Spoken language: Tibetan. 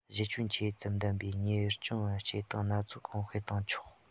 གཞི ཁྱོན ཆེ ཙམ ལྡན པའི གཉེར སྐྱོང བྱེད སྟངས སྣ ཚོགས གོང སྤེལ བཏང ཆོག